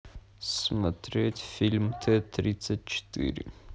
смотреть фильм т тридцать четыре